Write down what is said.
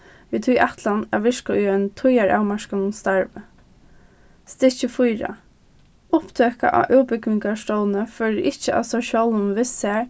við tí ætlan at virka í einum tíðaravmarkaðum starvi stykki fýra upptøka á útbúgvingarstovni førir ikki av sær sjálvum við sær